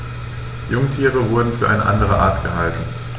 Jungtiere wurden für eine andere Art gehalten.